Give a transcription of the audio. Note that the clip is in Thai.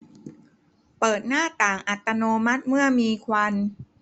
เปิดหน้าต่างอัตโนมัติเมื่อมีควัน